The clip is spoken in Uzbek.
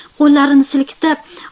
qo'llarini silkitib